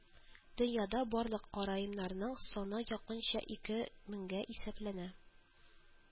Дөньяда барлык караимнарның саны якынча ике меңгә исәпләнә